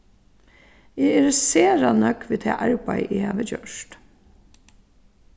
eg eri sera nøgd við tað arbeiðið eg havi gjørt